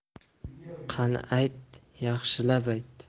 qani ayt yaxshilab ayt